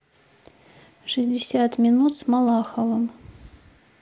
шестьдесят минут с малаховым